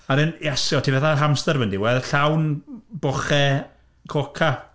A ydyn, Iasu, o't ti fatha hamster erbyn diwedd llawn bochau coca.